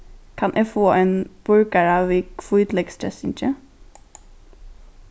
kann eg fáa ein burgara við hvítleyksdressingi